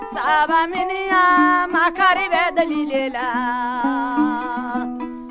sabaminiyan makari bɛ deli le la